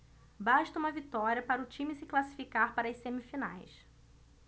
basta uma vitória para o time se classificar para as semifinais